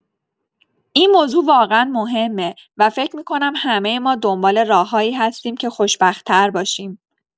این موضوع واقعا مهمه و فکر می‌کنم همۀ ما دنبال راه‌هایی هستیم که خوشبخت‌تر باشیم.